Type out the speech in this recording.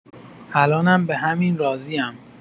الانم به همین راضی‌ام.